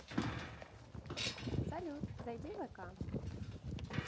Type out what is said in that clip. салют зайди в вк